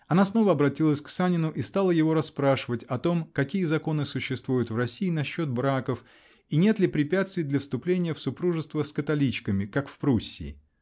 Она снова обратилась к Санину и стала его расспрашивать о том, какие законы существуют в России насчет браков и нет ли препятствий для вступления в супружество с католичками, -- как в Пруссии?